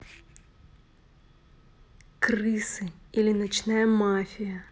крысы или ночная мафия